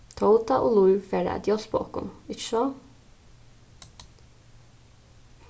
tóta og lív fara at hjálpa okkum ikki so